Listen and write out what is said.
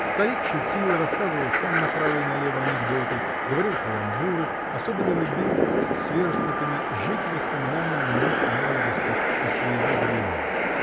Старик шутил, рассказывал сам направо и налево анекдоты, говорил каламбуры, особенно любил с сверстниками жить воспоминаниями минувшей молодости и своего времени.